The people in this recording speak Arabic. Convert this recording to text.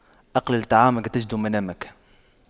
أقلل طعامك تجد منامك